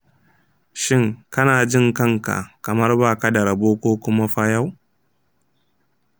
shin kana jin kan ka kamar baka da rabo ko kuma fayau?